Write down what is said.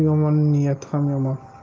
yomonning niyati ham yomon